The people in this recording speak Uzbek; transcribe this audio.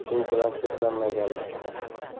shu bilan cheklanmaydi albatta